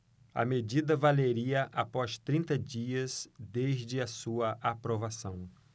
a medida valeria após trinta dias desde a sua aprovação